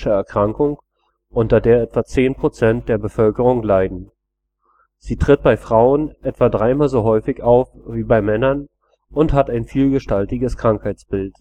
Erkrankung, unter der etwa 10 % der Bevölkerung leiden. Sie tritt bei Frauen etwa dreimal so häufig auf wie bei Männern und hat ein vielgestaltiges Krankheitsbild